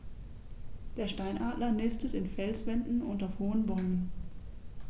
Der Steinadler nistet in Felswänden und auf hohen Bäumen.